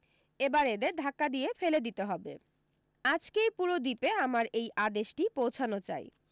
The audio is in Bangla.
এবার এদের ধাক্কা দিয়ে ফেলে দিতে হবে আজকেই পুরো দ্বীপে আমার এই আদেশটি পৌঁছোনো চাই